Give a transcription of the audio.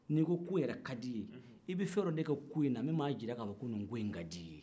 n'i ko ko yɛrɛ ka di ye i bɛ fɛn dɔ de kɛ ko in na min b'a jira ko ko in ka d'i ye